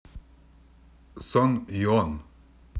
сон йон